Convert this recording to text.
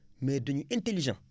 mais dañu intelligents